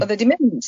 ...oedd e di mynd.